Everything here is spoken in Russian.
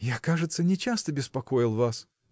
– Я, кажется, не часто беспокоил вас.